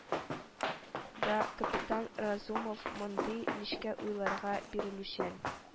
Да, капитан разумов мондый нечкә уйларга бирелүчән